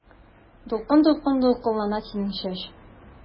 Дулкын-дулкын дулкынлана синең чәч.